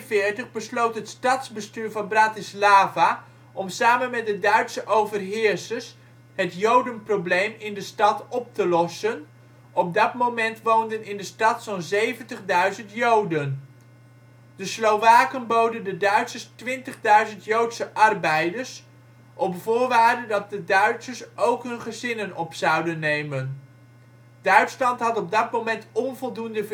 1942 besloot het stadsbestuur van Bratislava om samen met de Duitse overheersers het ' Jodenprobleem ' in de stad op te lossen - op dat moment woonden in de stad zo 'n 70 000 Joden. De Slowaken boden de Duitsers 20 000 Joodse arbeiders, op voorwaarde dat de Duitsers ook hun gezinnen op zouden nemen. Duitsland had op dat moment onvoldoende vernietigingscapaciteit